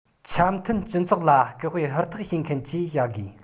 འཆམ མཐུན སྤྱི ཚོགས ལ སྐུལ སྤེལ ཧུར ཐག བྱེད མཁན བཅས བྱ དགོས